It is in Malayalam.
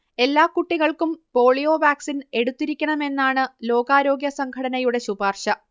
എല്ലാ കുട്ടികൾക്കും പോളിയോ വാക്സിൻ എടുത്തിരിക്കണമെന്നാണ് ലോകാരോഗ്യസംഘടനയുടെ ശുപാർശ